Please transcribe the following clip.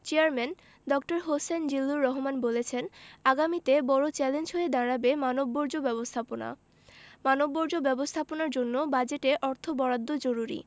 chairman ড হোসেন জিল্লুর রহমান বলেছেন আগামীতে বড় চ্যালেঞ্জ হয়ে দাঁড়াবে মানববর্জ্য ব্যবস্থাপনা মানববর্জ্য ব্যবস্থাপনার জন্য বাজেটে অর্থ বরাদ্দ জরুরি